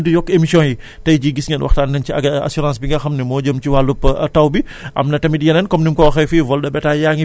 waaye nag terewul ne woon nañ leen tamit insaa àllaa plus que nawet bi di gën a dem rekk baykat yi di ko gën di laajte rekk ñuy gën di yokk émission yi